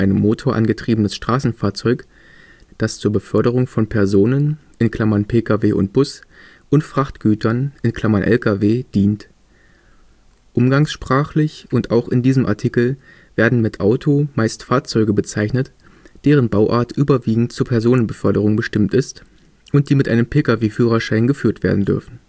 Motor angetriebenes Straßenfahrzeug), das zur Beförderung von Personen (Pkw und Bus) und Frachtgütern (Lkw) dient. Umgangssprachlich – und auch in diesem Artikel – werden mit Auto meist Fahrzeuge bezeichnet, deren Bauart überwiegend zur Personenbeförderung bestimmt ist und die mit einem Pkw-Führerschein geführt werden dürfen